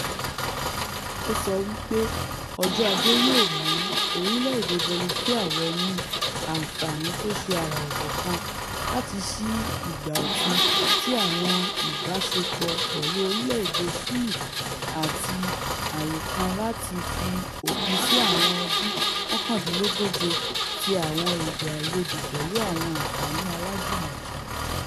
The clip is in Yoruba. O sowí pé Ọjọ́ Ajé yóò mu orílẹ̀-èdè Bolifia wọnú ''ànfààní tóṣe àrà-ọ̀tọ̀ kan láti sí ìgbà ọ̀tun ti àwọn ìbáṣepọ̀ pẹ̀lú orílẹ̀-èdè Ṣílì̀'' àti ààyè kan láti ''fi òpin sí àwọn ọdún mọ́kàndínlógóje ti àwọn èdé-àìyedè pẹ̀lú àwọn àǹfààní aláàjùmọ̀je”̣̣.